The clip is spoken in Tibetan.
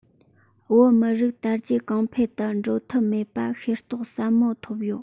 བོད མི རིགས དར རྒྱས གོང འཕེལ དུ འགྲོ ཐབས མེད པ ཤེས རྟོགས ཟབ མོ ཐོབ ཡོད